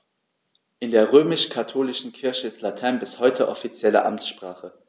In der römisch-katholischen Kirche ist Latein bis heute offizielle Amtssprache.